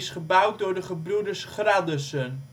gebouwd door de gebroeders Gradussen